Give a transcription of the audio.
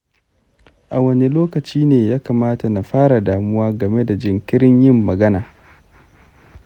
a wane lokaci ne ya kamata na fara damuwa game da jinkirin yin magana